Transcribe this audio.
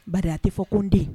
Ba tɛ fɔ ko n den